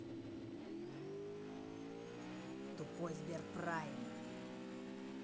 тупой сберпрайм